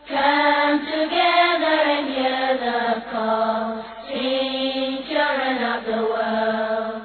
Santigɛtigɛ bɛ yo labankɔrɔ kelen yo laban laban wa